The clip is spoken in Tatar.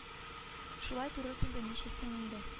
Шулай туры килде нишлисең инде